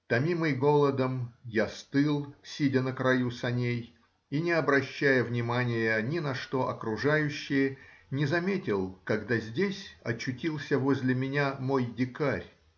Томимый голодом, я стыл, сидя на краю саней, и, не обращая внимания ни на что окружающее, не заметил, когда здесь очутился возле меня мой дикарь.